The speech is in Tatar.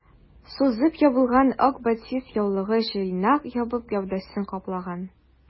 Сузып ябылган ак батист яулыгы җыйнак ябык гәүдәсен каплаган.